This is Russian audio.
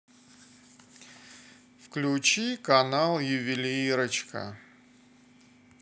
включи канал ювелирочка